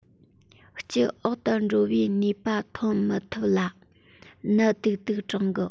སྤྱི འོག ཏུ འགྲོ བའི ནུས པ ཐོན མི ཐུབ ལ ནད དུག དུག སྦྲང གི